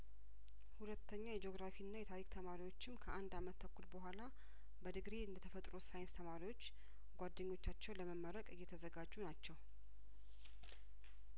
ሁለተኛ የጂኦግራፊና የታሪክ ተማሪዎችም ከአንድ አመት ተኩል በኋላ በዲግሪ እንደተፈጥሮ ሳይንስ ተማሪዎች ጓደኞቻቸው ለመመረቅ እየተዘጋጁ ናቸው